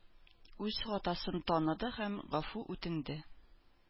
Үз хатасын таныды һәм гафу үтенде.